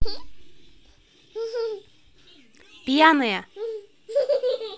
пьяная